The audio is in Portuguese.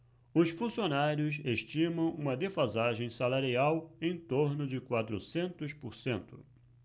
os funcionários estimam uma defasagem salarial em torno de quatrocentos por cento